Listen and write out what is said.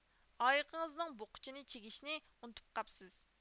ئايىقىڭىزنىڭ بوققۇچىنى چىگىشنى ئۇنتۇپ قاپسىز